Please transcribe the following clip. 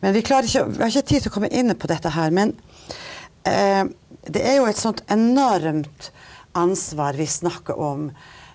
men vi klarer ikke vi har ikke tid til å komme inn på dette her, men det er jo et sånt enormt ansvar vi snakker om.